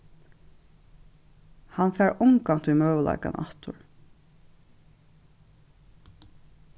hann fær ongantíð møguleikan aftur